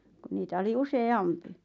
kun niitä oli useampi